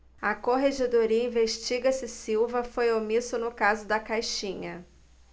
a corregedoria investiga se silva foi omisso no caso da caixinha